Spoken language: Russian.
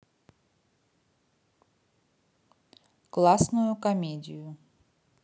классную комедию